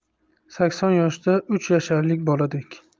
sakson yoshida uch yasharlik boladek